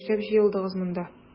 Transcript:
Нишләп җыелдыгыз монда?